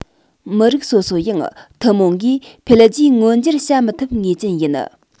མི རིགས སོ སོ ཡང ཐུན མོང སྒོས འཕེལ རྒྱས མངོན འགྱུར བྱ མི ཐུབ ངེས ཅན ཡིན